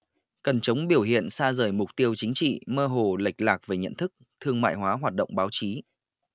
cần chống biểu hiện xa rời mục tiêu chính trị mơ hồ lệch lạc về nhận thức thương mại hóa hoạt động báo chí